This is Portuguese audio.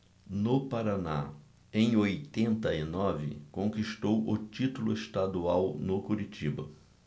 no paraná em oitenta e nove conquistou o título estadual no curitiba